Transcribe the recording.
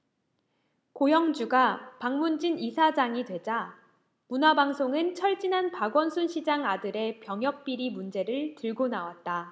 고영주가 방문진 이사장이 되자 문화방송은 철지난 박원순 시장 아들의 병역비리 문제를 들고나왔다